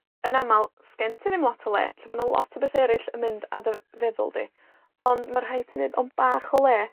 Yn amal, 'sgen ti ddim lot o le, 'lly ma' 'na lot o bethe eryll yn mynd ar dy feddwl di. Ond ma' rhaid ti neud ond bach o le,